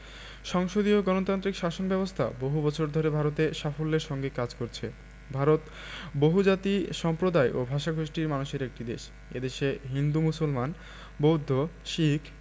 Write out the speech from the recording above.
সংসদীয় গণতান্ত্রিক শাসন ব্যাবস্থা বহু বছর ধরে ভারতে সাফল্যের সঙ্গে কাজ করছে ভারত বহুজাতি সম্প্রদায় ও ভাষাগোষ্ঠীর মানুষের একটি দেশ এ দেশে হিন্দু মুসলমান বৌদ্ধ শিখ